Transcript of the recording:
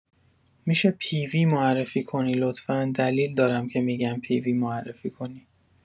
می‌شه پی وی معرفی کنی لطفا، دلیل دارم که می‌گم پی وی معرفی کنی